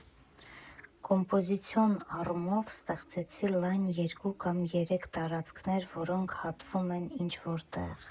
Կոմպոզիցիոն առումով ստեղծեցի լայն, երկու կամ երեք տարածքներ, որոնք հատվում են ինչ֊որ տեղ։